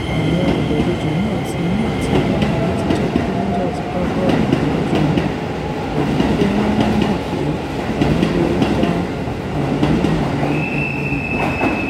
Àwọn olùgbàlejò náà ti ní ìtẹ́lọ́rùn láti jẹ́kí Rangers gbá bọ́ọ̀lú níwájú wọn, pẹ̀lú pé wọ́n mọ́pè àwọn leè da àwọn náà ní ẹyọ-ẹyọ.